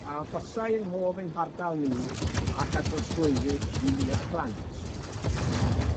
a arhosai yng nghof ein hardal ni ac â drosglwyddi i ni'r plant.